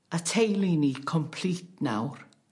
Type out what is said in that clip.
A teulu ni complete nawr.